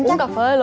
uống cà phê luôn